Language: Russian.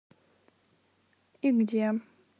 и где